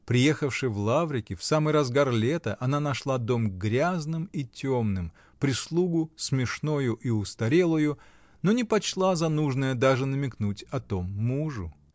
Приехавши в Лаврики в самый разгар лета, она нашла дом грязным и темным, прислугу смешною и устарелою, но не почла за нужное даже намекнуть о том мужу.